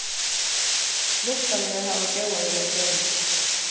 lukkan er at hava góðar relatiónir